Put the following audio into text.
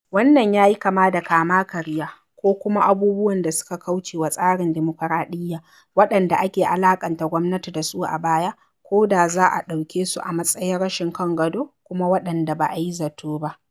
Wannan ya yi kama da kama-karya ko kuma abubuwan da suka kauce wa tsarin dimukuraɗiyya waɗanda ake alaƙanta gwamnati da su a baya, ko da za a ɗauke su a matsayin rashin kan gado, kuma waɗanda ba a yi zato ba.